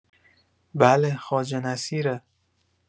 بله خواجه نصیره.